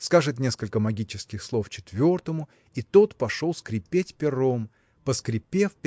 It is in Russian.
скажет несколько магических слов четвертому – и тот пошел скрипеть пером. Поскрипев